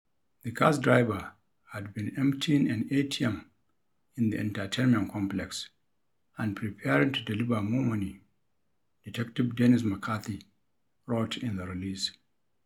The car's driver had been emptying an ATM in the entertainment complex and preparing to deliver more money, Det. Dennis McCarthy wrote in the release.